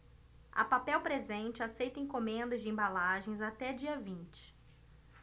a papel presente aceita encomendas de embalagens até dia vinte